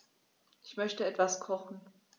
Ich möchte etwas kochen.